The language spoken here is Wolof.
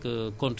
am na